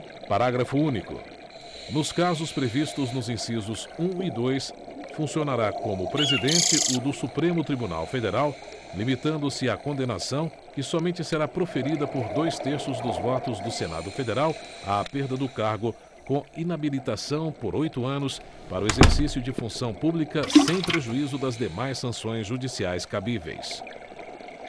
único nos casos previstos nos incisos um e dois funcionará como presidente o do supremo tribunal federal limitando se a condenação que somente será proferida por dois terços dos votos do senado federal à perda do cargo com inabilitação por oito anos para o exercício de função pública sem prejuízo das demais sanções judiciais cabíveis